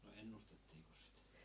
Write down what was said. no ennustettiinkos sitä